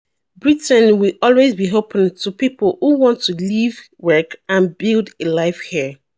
Britain will always be open to people who want to live, work and build a life here.